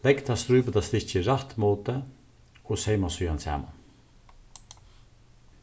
legg tað stríputa stykkið rætt móti og seyma síðuna saman